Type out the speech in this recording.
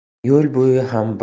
yo'l bo'yi ham